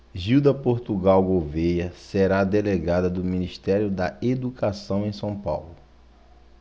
gilda portugal gouvêa será delegada do ministério da educação em são paulo